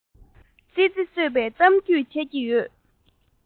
ཙི ཙི གསོད པའི གཏམ རྒྱུད འཆད ཀྱི ཡོད